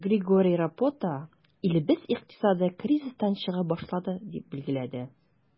Григорий Рапота, илебез икътисады кризистан чыга башлады, дип билгеләде.